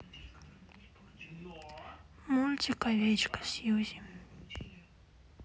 мультик овечка сьюзи